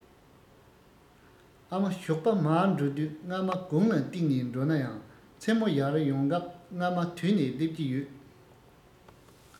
ཨ མ ཞོགས པར མར འགྲོ དུས རྔ མ དགུང ལ བཏེགས ནས འགྲོ ནའང མཚན མོ ཡར འོང སྐབས རྔ མ དུད ནས སླེབས ཀྱི ཡོད